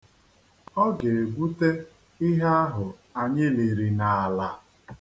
Ọ ga-egwute ihe ahụ anyị liri n'ala.